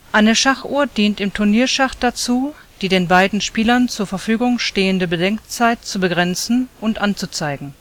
Eine Schachuhr dient im Turnierschach dazu, die den beiden Spielern zur Verfügung stehende Bedenkzeit zu begrenzen und anzuzeigen